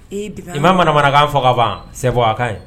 I bɛ manamanakan fɔ kaban sɛ a ka